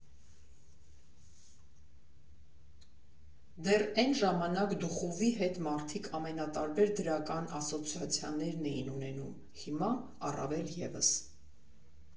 Դեռ էն ժամանակ «դուխովի» հետ մարդիկ ամենատարբեր դրական ասոցիացիաներն էին ունենում, հիմա՝ առավել ևս։